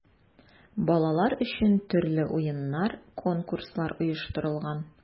Балалар өчен төрле уеннар, конкурслар оештырылган.